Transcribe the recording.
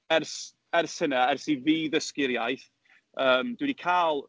Ers ers hynna, ers i fi ddysgu'r iaith, yym, dwi 'di cael…